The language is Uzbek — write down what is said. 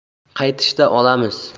qaytishda olamiz